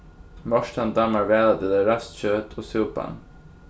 mortan dámar væl at eta ræst kjøt og súpan